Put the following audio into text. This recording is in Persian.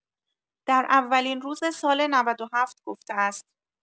در اولین روز سال ۹۷ گفته است.